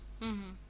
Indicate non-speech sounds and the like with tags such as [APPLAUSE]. [HESITATION] [HESITATION]